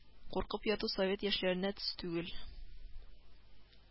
Куркып яту совет яшьләренә төс түгел